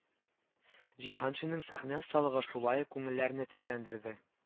Җиһаншинның сәхнә осталыгы шулай ук күңелләрне тетрәндерде